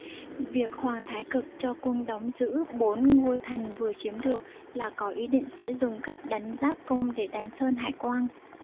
việc hoàng thái cực cho quân đóng giữ bốn ngôi thành vừa chiếm được là có ý định sẽ dùng cách đánh giáp công để đánh sơn hải quan